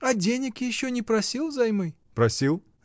— А денег еще не просил взаймы? — Просил.